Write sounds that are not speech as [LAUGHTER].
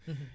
[HESITATION] [HESITATION]